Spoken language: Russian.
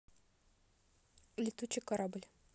летучий корабль